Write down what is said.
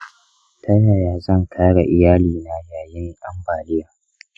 ta yaya zan kare iyalina yayin ambaliya?